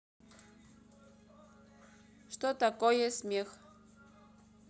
что такое смех